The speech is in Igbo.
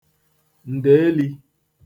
ǹdèelī